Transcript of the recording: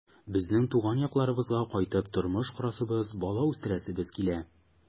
Безнең туган якларыбызга кайтып тормыш корасыбыз, бала үстерәсебез килә.